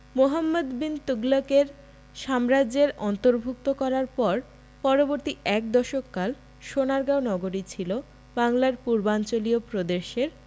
মুহাম্মদ বিন তুগলকের সাম্রাজ্যের অর্ন্তভুক্ত করার পর পরবর্তী এক দশক কাল সোনারগাঁও নগরী ছিল বাংলার পূর্বাঞ্চলীয় প্রদেশের